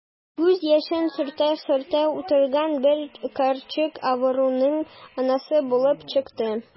Күз яшен сөртә-сөртә утырган бер карчык авыруның анасы булып чыкты.